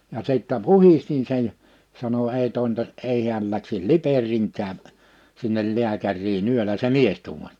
ja sitten puhdistin sen ja sanoi ei tointaisi ei hän lähtisi Liperiinkään sinne lääkäriin yöllä se mies tuumasi